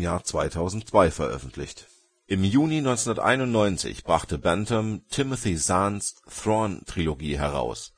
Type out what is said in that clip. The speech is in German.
Jahr 2002 veröffentlicht. Im Juni 1991 brachte Bantam Timothy Zahns Thrawn-Trilogie heraus.